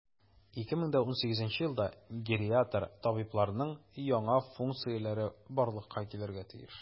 2018 елда гериатр табибларның яңа функцияләре барлыкка килергә тиеш.